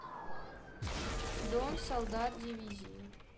дон солдат дивизии